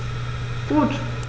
Gut.